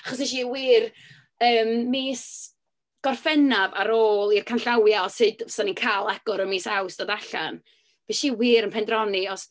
Achos wnes i wir... yym, mis Gorffennaf ar ôl i'r canllawiau sut 'sen ni'n cael agor yn mis Awst ddod allan, fues i wir yn pendroni os...